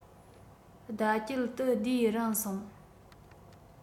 ཟླ དཀྱིལ དུ བསྡུས རན སོང